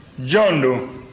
jɔn don